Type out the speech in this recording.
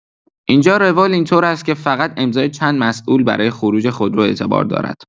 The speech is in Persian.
اینجا روال اینطور است که فقط امضای چند مسئول برای خروج خودرو اعتبار دارد.